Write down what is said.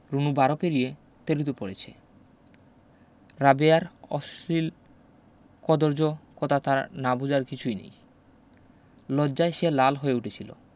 রুনু বারো পেরিয়ে তেরোতে পড়েছে রাবেয়ার অশ্লীল কদৰ্য কতা তার না বুঝার কিছুই নেই লজ্জায় সে লাল হয়ে উঠেছিলো